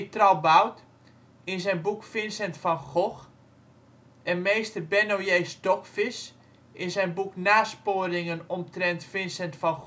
Tralbaut in zijn boek Vincent van Gogh en mr. Benno J. Stokvis in zijn boek Nasporingen omtrent Vincent van